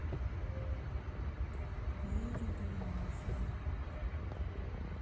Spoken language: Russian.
выруби нахрен